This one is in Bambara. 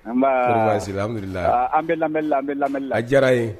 An wulila an a diyara ye